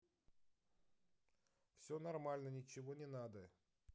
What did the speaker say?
все нормально ничего не надо